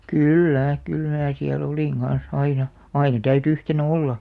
kyllä kyllä minä siellä olin kanssa aina aina täytyi yhtenään olla